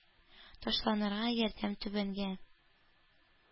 Ташланырга ярдан түбәнгә.